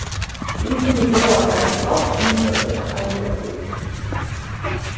vit kunnu bjóða tær eitt gott umhvørvi at arbeiða í